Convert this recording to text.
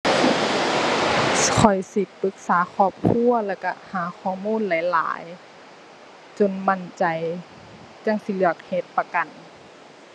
ข้อยสิปรึกษาครอบครัวแล้วก็หาข้อมูลหลายหลายจนมั่นใจ จั่งสิเลือกเฮ็ดประกัน